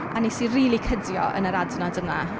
A wnes i rili cydio yn yr adnod yna.